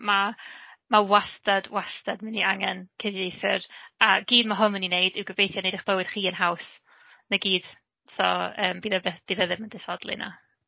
'Ma 'ma wastad, wastad mynd i angen cyfieithwyr a gyd ma' hwn mynd i wneud yw gobeithio wneud eich bywyd chi yn haws 'na gyd. So yym bydd e byth... bydd e ddim yn disodli, na.